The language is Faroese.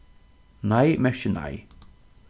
nei merkir nei